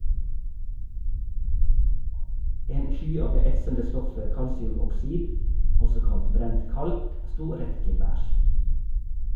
En sky av det etsende stoffet kalsiumoksid, også kalt brent kalk, sto rett til værs.